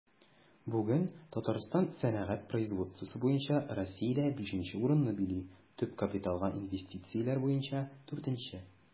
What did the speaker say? Бүген Татарстан сәнәгать производствосы буенча Россиядә 5 нче урынны били, төп капиталга инвестицияләр буенча 4 нче.